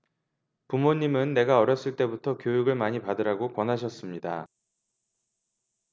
부모님은 내가 어렸을 때부터 교육을 많이 받으라고 권하셨습니다